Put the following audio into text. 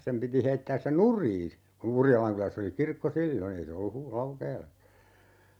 sen piti heittää se nurin kun Urjalankylässä oli kirkko silloin ei se ollut - Laukeelassa